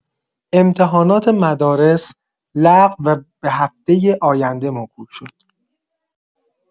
امتحانات مدارس لغو و به هفته آینده موکول شد.